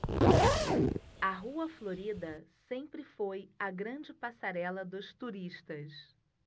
a rua florida sempre foi a grande passarela dos turistas